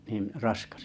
niin raskas